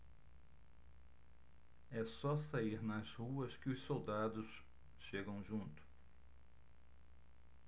é só sair nas ruas que os soldados chegam junto